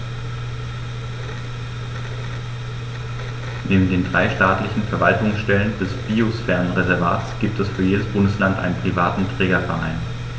Neben den drei staatlichen Verwaltungsstellen des Biosphärenreservates gibt es für jedes Bundesland einen privaten Trägerverein.